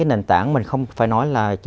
cái nền tảng mình không phải nói là chỉ